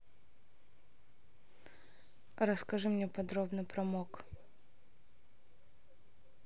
расскажи мне подробно про мог